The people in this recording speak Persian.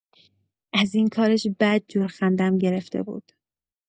از این کارش بدجور خندم گرفته بود.